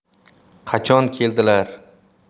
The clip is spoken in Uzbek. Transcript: qachon keldilar